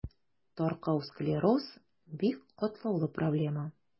Таркау склероз – бик катлаулы проблема.